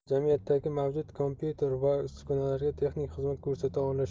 jamiyatdagi mavjud kompyuter va uskunalarga texnik xizmat ko'rsata olish